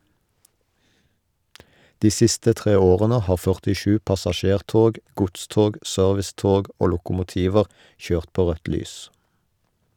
De siste tre årene har 47 passasjertog, godstog, servicetog og lokomotiver kjørt på rødt lys.